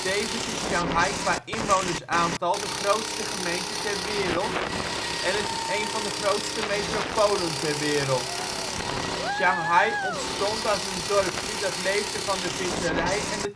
Tevens is Shanghai qua inwonersaantal de grootste gemeente ter wereld, en het is een van de grootste metropolen ter wereld. Shanghai ontstond als een dorpje dat leefde van de visserij en de